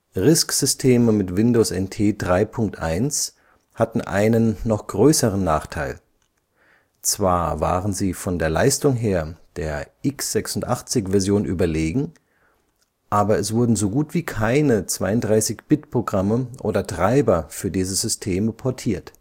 RISC-Systeme mit Windows NT 3.1 hatten einen noch größeren Nachteil: Zwar waren sie von der Leistung her der x86-Version überlegen, aber es wurden so gut wie keine 32-Bit-Programme oder Treiber für diese Systeme portiert